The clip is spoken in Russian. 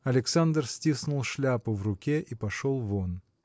Александр стиснул шляпу в руке и пошел вон.